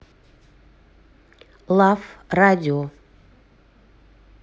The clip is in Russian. лав радио